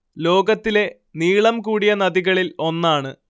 ലോകത്തിലെ നീളം കൂടിയ നദികളിൽ ഒന്നാണ്